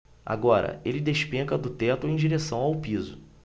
agora ele despenca do teto em direção ao piso